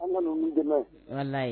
An an ka n'a ye